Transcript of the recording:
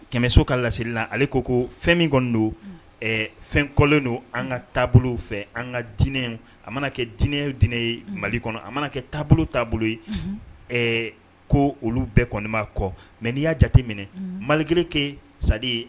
Kɛmɛso ka laseli la ale ko ko fɛn min kɔni don fɛn kɔlen don an ka taabolo fɛ an ka diinɛ a mana kɛ dinɛw diinɛ ye mali kɔnɔ a mana kɛ taabolo taabolo ko olu bɛɛ kɔni ma kɔ mɛ n'i y'a jate minɛ maliki kɛ sa ye